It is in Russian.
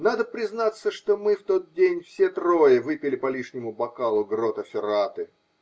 Надо признаться, что мы в тот день все трое выпили по лишнему бокалу Гротта Ферраты .